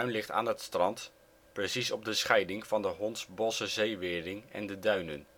ligt aan het strand, precies op de scheiding van de Hondsbossche Zeewering en de duinen